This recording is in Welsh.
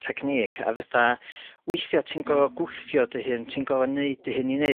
technique a fetha withia ti'n goro gwthio dy hun ti'n goro g'neud dy hun i neud